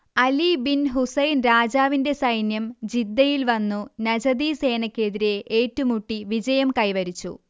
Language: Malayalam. അലി ബിൻ ഹുസൈൻ രാജാവിന്റെ സൈന്യം ജിദ്ദയിൽ വന്നു നജദി സേനക്കെതിരെ ഏറ്റു മുട്ടി വിജയം കൈവരിച്ചു